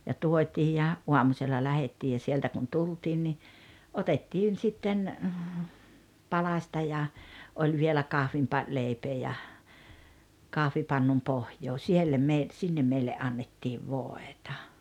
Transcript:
ja tuotiin ja aamusella lähdettiin ja sieltä kun tultiin niin otettiin sitten palasta ja oli vielä - kahvileipää ja kahvipannun pohja siellä - sinne meille annettiin voita